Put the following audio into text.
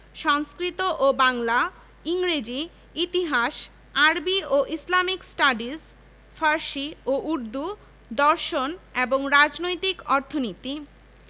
সংস্কৃত ও বাংলা ইংরেজি ইতিহাস আরবি ও ইসলামিক স্টাডিজ ফার্সি ও উর্দু দর্শন এবং রাজনৈতিক অর্থনীতি